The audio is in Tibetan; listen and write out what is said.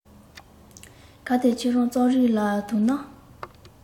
གལ ཏེ ཁྱོད རང རྩོམ རིག ལ དུངས ན